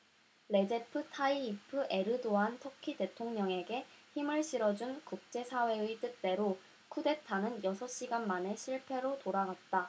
레제프 타이이프 에르도안 터키 대통령에게 힘을 실어준 국제사회의 뜻대로 쿠데타는 여섯 시간 만에 실패로 돌아갔다